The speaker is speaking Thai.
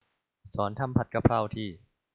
สอนทำผัดกะเพราที